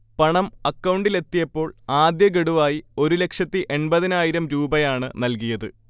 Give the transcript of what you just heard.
പണം അക്കൗണ്ടിൽ എത്തിയപ്പോൾ ആദ്യ ഗഡുവായി ഒരു ലക്ഷത്തി എണ്‍പതിനായിരം രൂപയാണ് നൽകിയത്